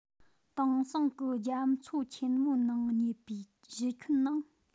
དེང སང གི རྒྱ མཚོ ཆེན མོའི གནས པའི གཞི ཁྱོན ནང